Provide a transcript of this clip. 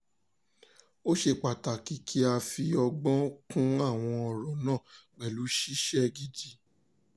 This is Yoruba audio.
Ó ṣe pàtàkì kí a fi ọgbọ́n kún àwọn ọ̀rọ̀ náà pẹ̀lú ṣíṣe gidi.